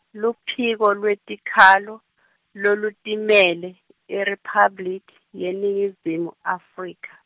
Luphiko lwetiKhalo, lolutiMele, IRiphabliki yeNingizimu Afrika.